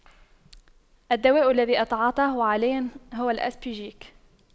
الدواء الذي أتعاطاه حاليا هو الأسبجيك